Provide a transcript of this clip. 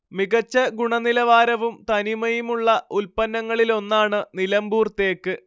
മികച്ച ഗുണനിലവാരവും തനിമയുമുള്ള ഉൽപ്പന്നങ്ങളിലൊന്നാണ് നിലമ്പൂർ തേക്ക്